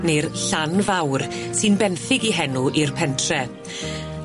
ne'r Llanfawr sy'n benthyg 'i henw i'r pentre.